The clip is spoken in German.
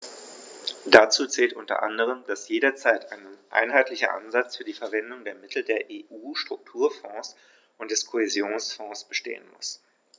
Dazu zählt u. a., dass jederzeit ein einheitlicher Ansatz für die Verwendung der Mittel der EU-Strukturfonds und des Kohäsionsfonds bestehen muss.